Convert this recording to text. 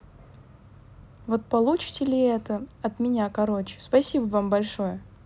вот получите ли это от меня короче спасибо вам большое